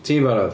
Ti'n barod?